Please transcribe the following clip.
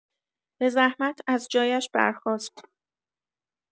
به زحمت از جایش برخاست.